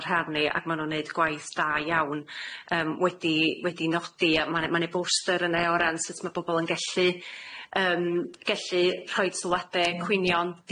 yn rhan ni ag ma' nw'n neud gwaith da iawn yym wedi wedi nodi a ma' ne ma' ne' boster yne o ran sut ma' bobol yn gellu yym gellu rhoid sylwade, cwynion,